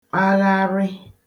kpagharị